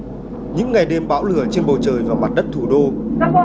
những ngày đêm bão lửa trên bầu trời và mặt đất thủ đô